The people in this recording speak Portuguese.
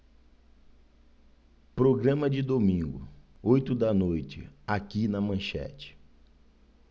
programa de domingo oito da noite aqui na manchete